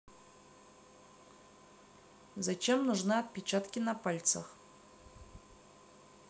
зачем нужны отпечатки на пальцах